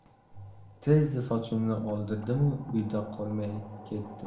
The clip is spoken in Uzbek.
tezda sochimni oldirdimu uyda qolmay ketdim